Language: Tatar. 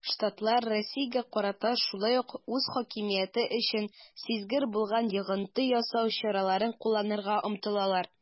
Штатлар Россиягә карата шулай ук үз хакимияте өчен сизгер булган йогынты ясау чараларын кулланырга омтылалар.